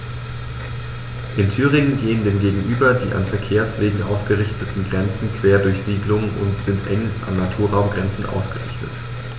In Thüringen gehen dem gegenüber die an Verkehrswegen ausgerichteten Grenzen quer durch Siedlungen und sind eng an Naturraumgrenzen ausgerichtet.